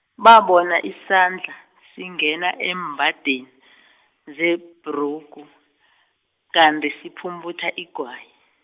babona isandla, singena eembadeni , zebhrugu, kanti siphumputha igwayi.